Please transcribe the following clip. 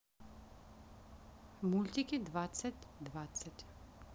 мультики двадцать двадцать